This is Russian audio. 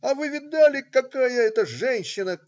А вы видали, какая это женщина?